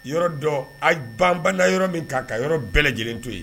Yɔrɔ dɔ a banbada yɔrɔ min kan ka yɔrɔ bɛɛ lajɛlen to yen